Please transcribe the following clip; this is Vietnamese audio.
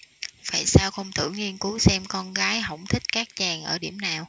vậy sao không thử nghiên cứu xem con gái hổng thích các chàng ở điểm nào